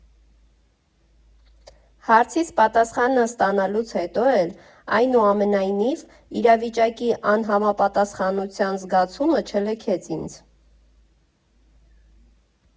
Հարցիս պատասխանը ստանալուց հետո էլ, այնուամենայնիվ, իրավիճակի անհամապատասխանության զգացումը չլքեց ինձ։